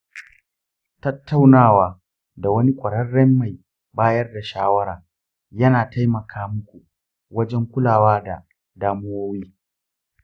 tattaunawa da wani ƙwararren mai bayar da shawara ya na taimaka muku wajen kulawa da damuwowi.